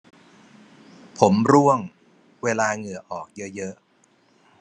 ผมร่วงเวลาเหงื่อออกเยอะเยอะ